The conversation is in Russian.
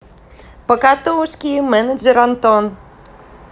покатушки менеджер антон